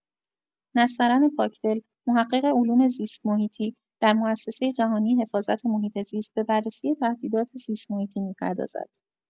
نسترن پاکدل، محقق علوم زیست‌محیطی، در موسسه جهانی حفاظت محیط‌زیست به بررسی تهدیدات زیست‌محیطی می‌پردازد.